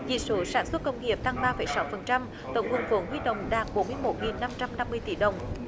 chỉ số sản xuất công nghiệp tăng ba phẩy sáu phần trăm tổng nguồn vốn huy động đạt bốn một nghìn năm trăm năm mươi tỷ đồng